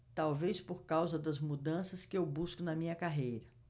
talvez por causa das mudanças que eu busco na minha carreira